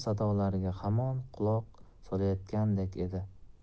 sadolariga hamon quloq solayotgandek edi